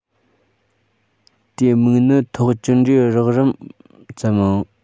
དེའི མིག ནི དང ཐོག ཅི འདྲའི རགས རིམ ཙམ ཨང